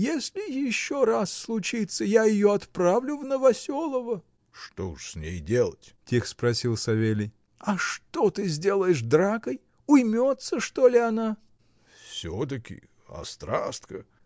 — Если еще раз случится, я ее отправлю в Новоселово. — Что ж с ней делать? — тихо спросил Савелий. — А что ты сделаешь дракой? Уймется, что ли, она? — Все-таки. острастка.